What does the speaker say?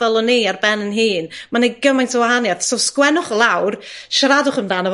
fel o'n i ar ben 'yn hun. Ma'n neud gymaint o wahanieth. So sgwennwch lawr. Siaradwch amdano